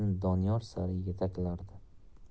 bizni doniyor sari yetaklardi